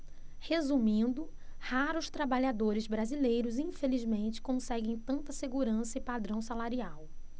resumindo raros trabalhadores brasileiros infelizmente conseguem tanta segurança e padrão salarial